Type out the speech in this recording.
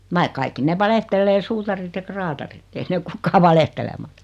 vaikka kaikki ne valehtelee suutarit ja kraatarit ei ne ole kukaan valehtelematta